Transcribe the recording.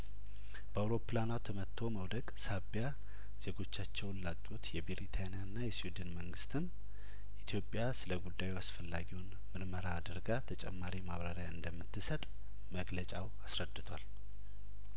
በአውሮፕላኗ ተመትቶ መውደቅ ሳቢያዜጐቻቸውን ላጡት የብሪታኒያና የስዊድን መንግስትም ኢትዮጵያ ስለጉዳዩ አስፈላጊውን ምርመራ አድርጋ ተጨማሪ ማብራሪያ እንደምትሰጥ መግለጫው አስረድቷል